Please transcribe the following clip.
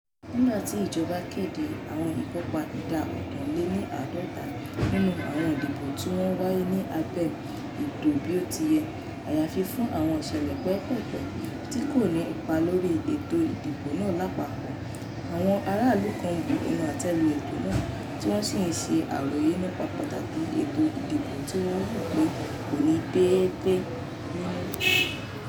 Nígbà tí ìjọba kéde "àwọn ìkópa ìdá 51% nínú àwọn ìdìbò tí wọ́n wáyé ní abẹ́ ètò bí ó ti yẹ, àyàfi fún àwọn ìṣẹ̀lẹ̀ pẹ́ẹ́pẹ́ẹ̀pẹ́ tí kò ní ipa lórí ètò ìdìbò náà lápapọ̀" (orísun: MAP), àwọn ará-ìlú kan bu ẹnu àtẹ́ lu ètò náà tí wọ́n sì ṣe àròyé nípa pàtàkì ètò ìdìbò tí wọ́n wò pé kò ní déédé nínú.